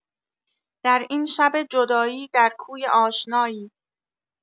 در این شب جدایی در کوی آشنایی